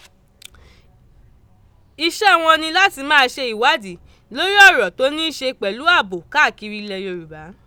Iṣẹ́ wọn ni láti máa ṣe ìwádìí lórí ọ̀rọ̀ tó nííṣe pẹ̀lú ààbò káàkiri ilẹ̀ Yorùbá.